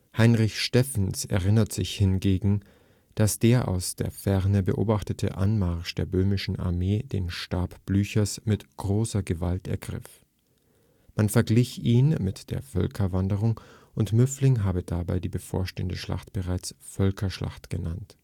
Heinrich Steffens erinnert sich hingegen, dass der aus der Ferne beobachtete Anmarsch der Böhmischen Armee den Stab Blüchers mit „ großer Gewalt “ergriff. Man verglich ihn mit der Völkerwanderung, und Müffling habe dabei die bevorstehende Schlacht bereits „ Völkerschlacht “genannt